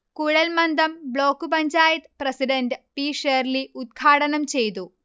കുഴൽമന്ദം block panchayat president P. Shirley ഉദ്ഘാടനം ചെയ്തു